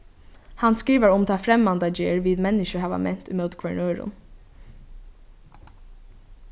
hann skrivar um ta fremmandagerð vit menniskju hava ment ímóti hvørjum øðrum